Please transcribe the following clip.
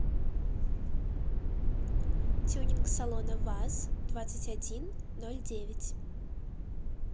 тюнинг салона ваз двадцать один ноль девять